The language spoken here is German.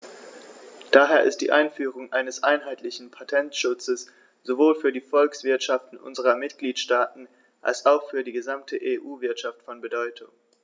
Daher ist die Einführung eines einheitlichen Patentschutzes sowohl für die Volkswirtschaften unserer Mitgliedstaaten als auch für die gesamte EU-Wirtschaft von Bedeutung.